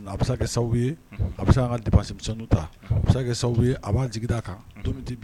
A bɛ ka ta a b'a jigi d'a kan don